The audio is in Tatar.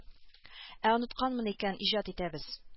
Ә онытканмын икән иҗат итәбез